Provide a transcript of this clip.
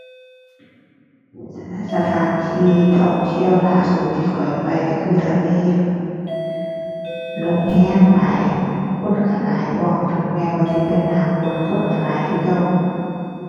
สถานที่ท่องเที่ยวล่าสุดที่ข้อยไปก็คือทะเล ลมก็หลาย คนก็หลายพร้อม ถึงแม้ว่าจะเป็นหน้าฝนคนก็หลายคือเก่า